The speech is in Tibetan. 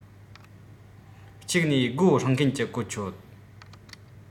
གཅིག ནས སྒོ སྲུང མཁན གྱི གོ ཆོད